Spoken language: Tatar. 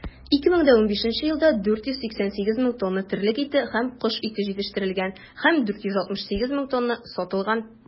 2015 елда 488 мең тонна терлек ите һәм кош ите җитештерелгән һәм 468 мең тонна сатылган.